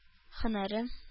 Һөнәрем